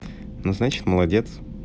ну значит молодец